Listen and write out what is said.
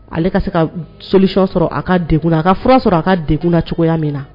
Ale ka se ka sosi sɔrɔ a ka dekun na a ka fura sɔrɔ a ka de kun na cogoya min na